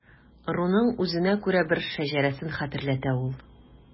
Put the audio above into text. Ыруның үзенә күрә бер шәҗәрәсен хәтерләтә ул.